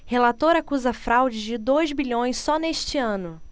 relator acusa fraude de dois bilhões só neste ano